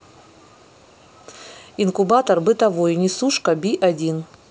инкубатор бытовой несушка би один